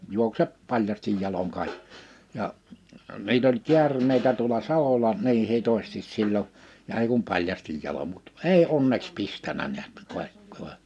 juokse paljain jaloin kaikki ja niitä oli käärmeitä tuolla salolla niin hitosti silloin ja ei kuin paljain jaloin mutta ei onneksi pistänyt näet --